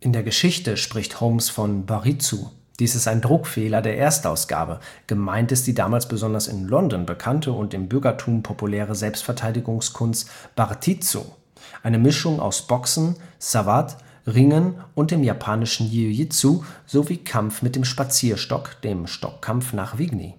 der Geschichte spricht Holmes von Baritsu. Dies ist ein Druckfehler der Erstausgabe, gemeint ist die damals besonders in London bekannte und im Bürgertum populäre Selbstverteidigungskunst Bartitsu, eine Mischung aus Boxen, Savate, Ringen und japanischem Jiu Jitsu sowie Kampf mit dem Spazierstock, dem Stockkampf nach Vigny